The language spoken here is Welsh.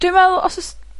Dwi me'wl os o's,